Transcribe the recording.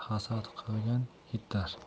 hasad qilgan yitar